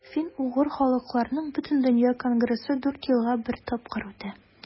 Фин-угыр халыкларының Бөтендөнья конгрессы дүрт елга бер тапкыр үтә.